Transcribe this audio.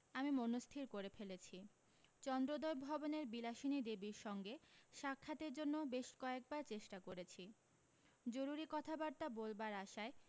আমি মনস্থির করে ফেলেছি চন্দ্রোদয় ভবনের বিলাসিনী দেবীর সঙ্গে সাক্ষাতের জন্য বেশ কয়েকবার চেষ্টা করেছি জরুরি কথাবার্তা বলবার আশায়